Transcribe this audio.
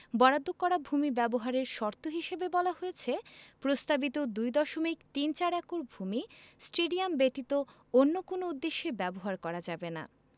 বরাদ্দ করা ভূমি ব্যবহারের শর্ত হিসেবে বলা হয়েছে প্রস্তাবিত ২ দশমিক তিন চার একর ভূমি স্টেডিয়াম ব্যতীত অন্য কোনো উদ্দেশ্যে ব্যবহার করা যাবে না